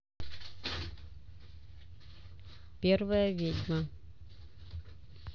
первая ведьма